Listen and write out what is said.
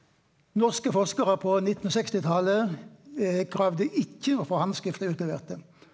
norske forskarar på nittensekstitalet kravde ikkje å få handskrifta utleverte.